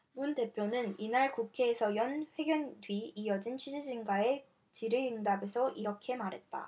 문 대표는 이날 국회에서 연 회견 뒤 이어진 취재진과의 질의응답에서 이렇게 말했다